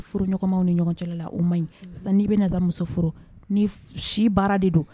Furuɲɔgɔnmaw ni ɲɔgɔn cɛla la o man ɲi, sisan n'i bɛna taa muso furu ni si baara de don